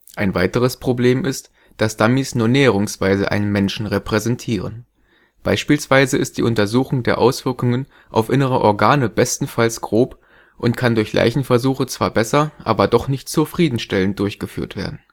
Ein weiteres Problem ist, dass Dummies nur näherungsweise einen Menschen repräsentieren. Beispielsweise ist die Untersuchung der Auswirkungen auf innere Organe bestenfalls grob und kann durch Leichenversuche zwar besser, aber doch nicht zufriedenstellend durchgeführt werden